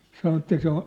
sanoi että se on